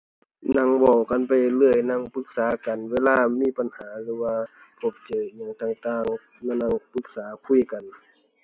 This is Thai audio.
นั่งเว้ากันไปเรื่อยเรื่อย นั่งปรึกษากันเวลามีปัญหาหรือว่าตกใจอิหยังต่างต่าง มานั่งปรึกษา คุยกัน